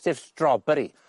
sef Stawberry.